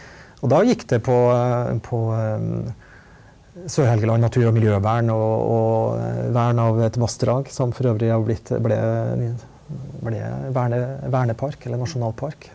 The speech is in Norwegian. og da gikk det på på Sør-Helgeland natur og miljøvern og og vern av et vassdrag som for øvrig har blitt ble ble verne vernepark eller nasjonalpark.